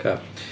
Cap.